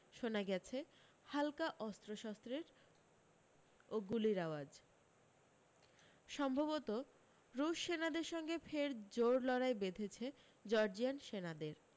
শোনা গেছে হালকা অস্ত্রশস্ত্রের ও গুলির আওয়াজ সম্ভবত রুশ সেনাদের সঙ্গে ফের জোর লড়াই বেঁধেছে জর্জিয়ান সেনাদের